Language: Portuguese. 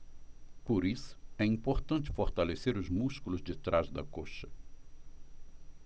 por isso é importante fortalecer os músculos de trás da coxa